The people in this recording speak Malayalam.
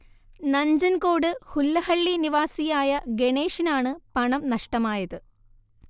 നഞ്ചൻകോട് ഹുല്ലഹള്ളി നിവാസിയായ ഗണേഷിനാണ് പണം നഷ്ടമായത്